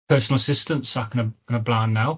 personal assistants ac yn y bla'n naw